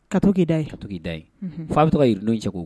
Ka to k'i da yen ka to k'i da yen fo a bɛ to ka